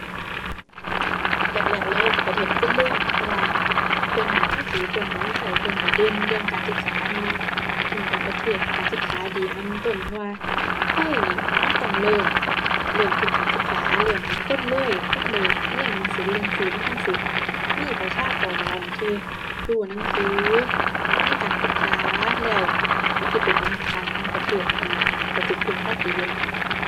แรกแรกเลยประเทศฟินแลนด์ เพราะว่าเพิ่นหนิ ภาษีเพิ่นเอามาใช้เพิ่นใช้เด่นเรื่องการศึกษาเนาะ อือ เป็นประเทศการศึกษาดีอันดับต้นต้น เพราะว่าไทยนี่มันต้องเริ่ม เริ่มที่การศึกษา เริ่มให้คนเลย คนได้เรียนหนังสือจั่งซี้ มันจั่งสิมีประชากรที่รู้หนังสือ มีการศึกษา แล้วมันสิเป็นรากฐานของประเทศอะเนาะ ใช้สิคุ้มภาษีอยู่ล่ะ